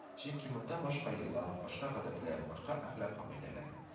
Чөнки монда башка йола, башка гадәтләр, башка әхлак кагыйдәләре